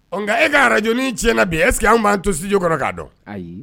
Ɔ nka e ka arajnin ti na bi ɛsseke anw b'an totuj kɔnɔ k'a dɔn